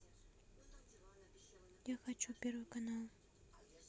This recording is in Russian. я хочу первый канал